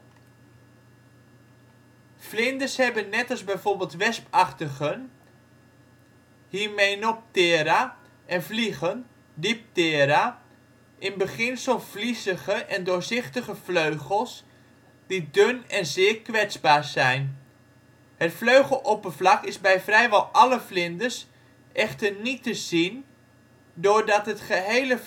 Vlinders hebben net als bijvoorbeeld wespachtigen (Hymenoptera) en vliegen (Diptera), in beginsel vliezige en doorzichtige vleugels die dun en zeer kwetsbaar zijn. Het vleugeloppervlak is bij vrijwel alle vlinders echter niet te zien doordat het gehele